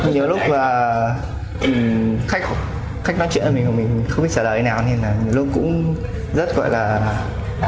nhiều lúc là ừm khách khách nói chuyện với mình mà mình không biết trả lời thế nào nên nhiều lúc cũng rất gọi là